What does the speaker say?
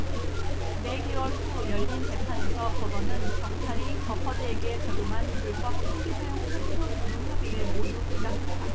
네 개월 후 열린 재판에서 법원은 경찰이 버퍼드에게 적용한 불법 총기 사용 체포 불응 혐의를 모두 기각했다